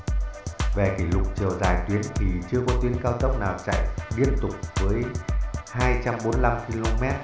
kỷ lục về chiều dài tuyến chưa có tuyến cao tốc nào chạy liên tục km